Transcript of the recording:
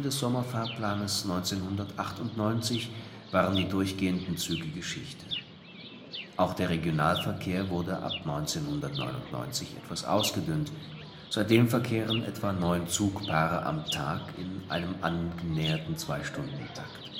Sommerfahrplans 1998 waren die durchgehenden Züge Geschichte. Auch der Regionalverkehr wurde ab 1999 ausgedünnt. Seitdem verkehren etwa neun Zugpaare am Tag in einem angenäherten Zweistundentakt